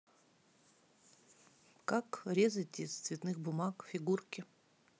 как резать из цветных бумаг фигурки